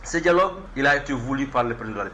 Sɛgɛjalo i ye t'u wulili pa pan lɛpredda